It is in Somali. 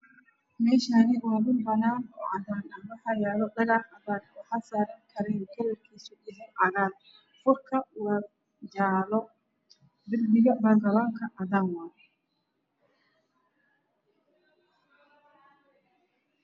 Meeshaan waa dhul banaan ah oo cadaan ah waxaa saaran dhagax cadaan ah waxaa saaran kareem kalarkiisu waa cagaar, furkiisana waa jaalo. Darbiga baagaroonka waa cadaan.